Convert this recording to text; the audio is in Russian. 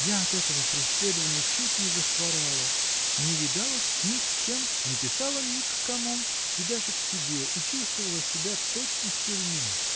Я от этого преследования чуть не захворала, не видалась ни с кем, не писала ни к кому, и даже к тебе, и чувствовала себя, точно в тюрьме.